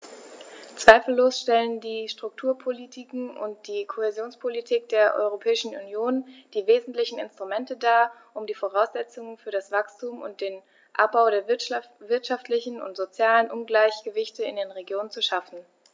Zweifellos stellen die Strukturpolitiken und die Kohäsionspolitik der Europäischen Union die wesentlichen Instrumente dar, um die Voraussetzungen für das Wachstum und den Abbau der wirtschaftlichen und sozialen Ungleichgewichte in den Regionen zu schaffen.